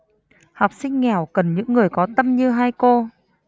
học sinh nghèo cần những người có tâm như hai cô